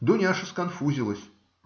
Дуняша сконфузилась.